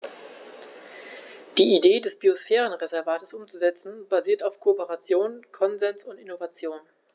Die Idee des Biosphärenreservates umzusetzen, basiert auf Kooperation, Konsens und Innovation.